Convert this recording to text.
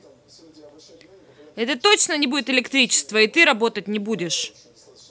это точно не будет электричества и ты работать не будешь